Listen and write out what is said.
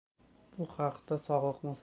bu haqda sog'liqni saqlash vazirligi